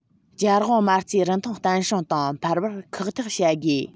རྒྱལ དབང མ རྩའི རིན ཐང བརྟན སྲུང དང འཕར བར ཁག ཐེག བྱ དགོས